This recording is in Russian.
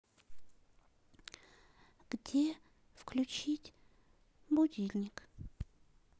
где включить будильник